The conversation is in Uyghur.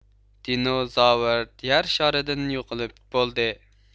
دىنوزاۋر يەرشارىدىن يوقىلىپ بولدى